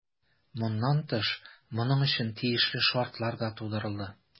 Моннан тыш, моның өчен тиешле шартлар да тудырылды.